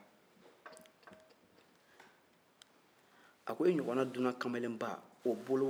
a ko e ɲɔgɔn na dunan kamalenba o bolo wari an faman'o minɛli ma segu yan